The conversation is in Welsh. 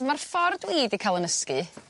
ma'r ffor dwi 'di ca'l 'yn nysgu